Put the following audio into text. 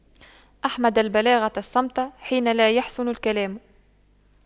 أحمد البلاغة الصمت حين لا يَحْسُنُ الكلام